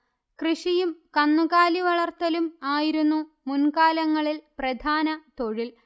കൃഷിയും കന്നുകാലിവളർത്തലും ആയിരുന്നു മുൻകാലങ്ങളിൽ പ്രധാന തൊഴിൽ